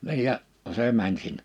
niin ja se meni -